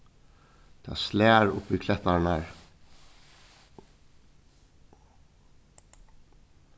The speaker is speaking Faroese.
tað slær upp í klettarnar